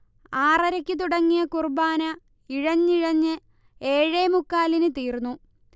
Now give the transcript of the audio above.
ആറരയ്ക്ക് തുടങ്ങിയ കുർബ്ബാന ഇഴഞ്ഞിഴഞ്ഞ് ഏഴേമുക്കാലിന് തീർന്നു